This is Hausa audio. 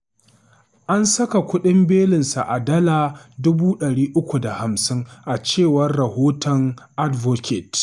An sa kuɗin belinsa a dala 350,000, a cewar rahoton Advocate.